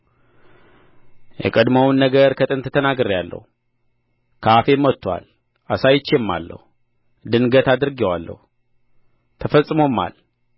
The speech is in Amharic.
የቀድሞውን ነገር ከጥንት ተናግሬአለሁ ከአፌም ወጥቶአል አሳይቼውማለሁ ድንገት አድርጌዋለሁ ተፈጽሞማል